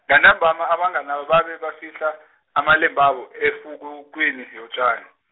ngantambama abanganaba babe bafihla, amalembabo efukufukwini yotjani.